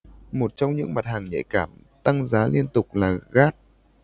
một trong những mặt hàng nhạy cảm tăng giá liên tục là gas